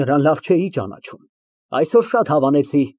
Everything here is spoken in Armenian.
Ես լավ չէի ճանաչում նրան։ Այսօր շատ հավանեցի։